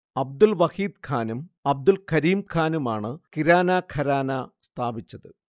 അബ്ദുൽ വഹീദ്ഖാനും അബ്ദുൽ കരീംഖാനുമാണ് കിരാന ഘരാന സ്ഥാപിച്ചത്